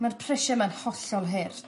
Ma'r prysie ma'n hollol hurt.